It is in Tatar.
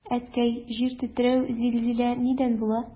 Әткәй, җир тетрәү, зилзилә нидән була?